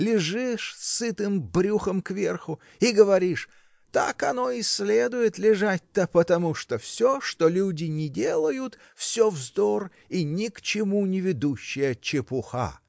лежишь сытым брюхом кверху и говоришь: так оно и следует, лежать-то, потому что все, что люди ни делают, -- все вздор и ни к чему не ведущая чепуха.